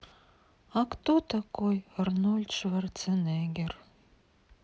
кто такой арнольд шварценеггер